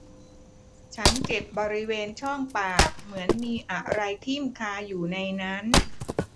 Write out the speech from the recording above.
ฉันเจ็บบริเวณช่องปากเหมือนมีอะไรทิ่มคาอยู่ในนั้น